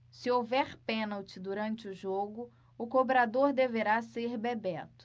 se houver pênalti durante o jogo o cobrador deverá ser bebeto